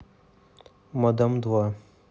мадам два